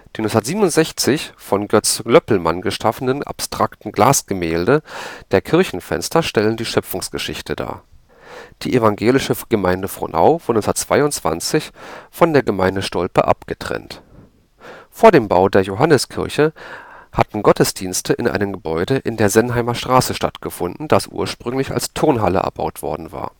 1967 von Götz Löpelmann geschaffenen abstrakten Glasgemälde der Kirchenfenster stellen die Schöpfungsgeschichte dar. Die evangelische Gemeinde Frohnau wurde 1922 von der Gemeinde Stolpe abgetrennt. Vor dem Bau der Johanneskirche hatten Gottesdienste in einem Gebäude in der Senheimer Straße stattgefunden, das ursprünglich als Turnhalle erbaut worden war